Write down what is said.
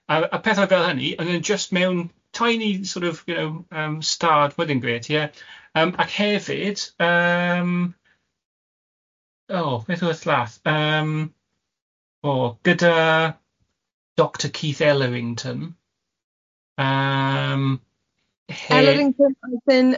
A a pethau fel hynny ond yn jyst mewn tiny sort of you know, yym stad wedyn grêt ie yym ac hefyd yym o beth oedd llall yym o gyda Doctor Keith Ellerington yym he-... Ellerington oedd yn